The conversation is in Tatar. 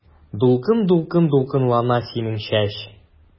Дулкын-дулкын дулкынлана синең чәч.